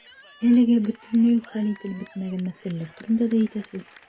Әлегә бөтенләй үк хәл ителеп бетмәгән мәсьәләләр турында да әйтәсез.